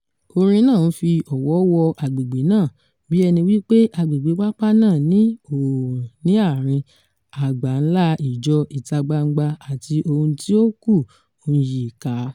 Orin náà ń fi ọ̀wọ̀ wọ agbègbè náà: bí ẹni wípé Agbègbè Papa náà ni oòrùn ní àárín àgbá-ńlá Ijó ìta-gbangba àti ohun tí ó kù ń yí i ká.